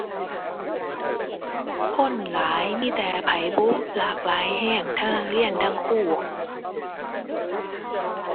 คนหลายมีแต่ไผบุ หลากหลายแรง ทั้งนักเรียน ทั้งครู